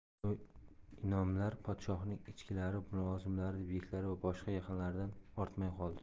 bu inomlar podshohning ichkilari mulozimlari beklari va boshqa yaqinlaridan ortmay qoldi